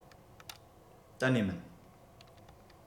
གཏན ནས མིན